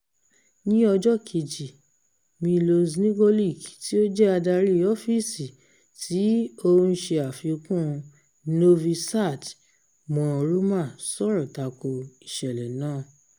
Ní ọjọ́ kejì, Miloš Nikolić tí ó jẹ́ adarí ọ́fíìsì tí ó ń ṣe àfikún Novi Sad mọ́ Roma sọ̀rọ̀ tako ìṣẹ̀lẹ̀ náà.